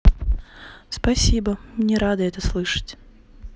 спасибо не рада это слышать